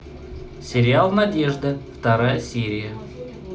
сериал надежда вторая серия